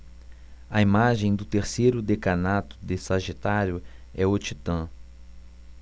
a imagem do terceiro decanato de sagitário é o titã